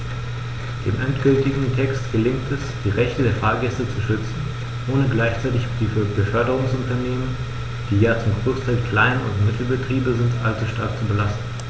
Dem endgültigen Text gelingt es, die Rechte der Fahrgäste zu schützen, ohne gleichzeitig die Beförderungsunternehmen - die ja zum Großteil Klein- und Mittelbetriebe sind - allzu stark zu belasten.